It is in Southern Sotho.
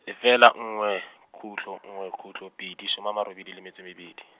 efela nngwe, kguto nngwe kgutlo pedi shome a ma robedi le metso e mebedi.